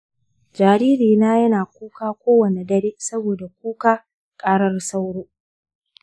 jaririna yana kuka kowane dare saboda kukan/ƙarar sauro.